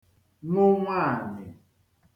nụ nwaànyị̀